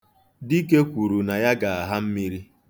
Dike kwuru na ya ga-aha mmiri.